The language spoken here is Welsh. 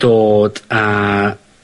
dod a